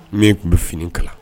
Min tun bɛ fini kala